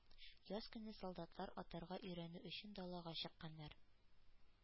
Яз көне солдатлар атарга өйрәнү өчен далага чыкканнар.